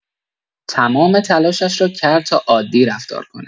تمام تلاشش را کرد تا عادی رفتار کند.